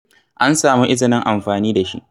an samu izinin amfani da shi.